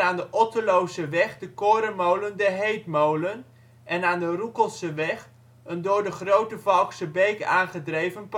de Otterlose weg de korenmolen de Heetmolen en aan de Roekelseweg een door de Grote Valkse beek aangedreven